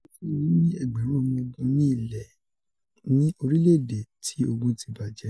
Faranse ni o ni ẹgbẹrun ọmọ ogun ni ilẹ ni orílẹ̀-èdè ti ogun ti bajẹ.